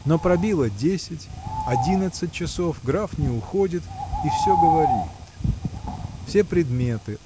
Но пробило десять, одиннадцать часов, граф не уходит и все говорит. Все предметы